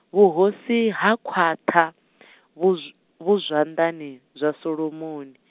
vhuhosi ha khwaṱha, vhuzw- vhu zwanḓani zwa Solomoni.